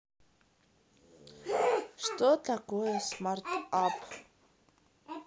что такое смарт ап